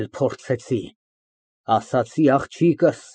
ԲԱԳՐԱՏ ֊ (Կանգնելով հայելու առջև, որ փողկապն ուղղի)։ Տեխնոլոգիաների երեկույթ։